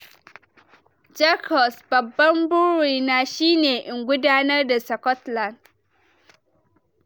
Jack Ross: 'Babban burin na shi ne in gudanar da Scotland'